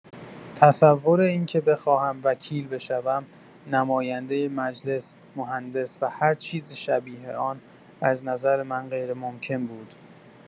تصور اینکه بخواهم وکیل بشوم، نماینده مجلس، مهندس، و هرچیز شبیه آن از نظر من غیرممکن بود.